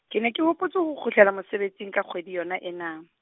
ke ne ke hopotse ho kgutlela mosebetsing ka kgwedi yona ena.